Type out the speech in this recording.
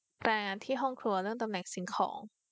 รายงานที่ห้องครัวเรื่องตำแหน่งสิ่งของ